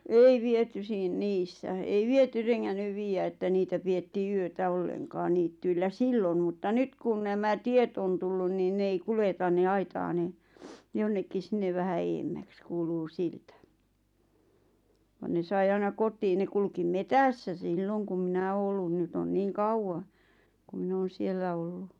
ei viety - niissä ei viety rengännyt viedä että niitä pidettiin yötä ollenkaan niityillä silloin mutta nyt kun nämä tiet on tullut niin ne ei kuljeta ne aitaa ne jonnekin sinne vähän edemmäksi kuuluu siltä vaan ne sai aina kotiin ne kulki metsässä silloin kun minä olen ollut nyt on niin kauan kuin minä olen siellä ollut